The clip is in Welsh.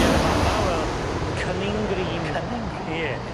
Ie fa' 'ma wel Cunning Green. Cunning Green? Ie.